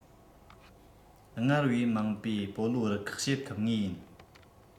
སྔར བས མང པའི སྤོ ལོ རུ ཁག བྱེད ཐུབ ངེས ཡིན